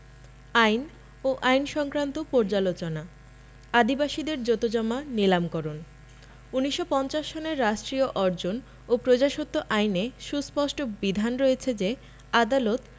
আইন ও আইন সংক্রান্ত পর্যালোচনা আদিবাসীদের জোতজমা নীলামকরণ ১৯৫০ সনের রাষ্ট্রীয় অর্জন ও প্রজাস্বত্ব আইনে সুস্পষ্ট বিধান রয়েছে যে আদালত